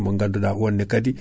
eyyi ko wayno Mow naɓe